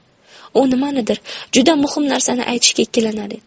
u nimanidir juda muhim narsani aytishga ikkilanar edi